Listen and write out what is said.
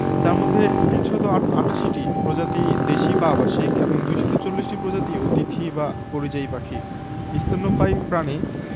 যার মধ্যে ৩৮৮টি প্রজাতি দেশী বা আবাসিক এবং ২৪০ টি প্রজাতি অতিথি বা পরিযায়ী পাখি স্তন্যপায়ী প্রাণী